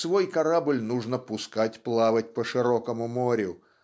свой корабль нужно "пускать плавать по широкому морю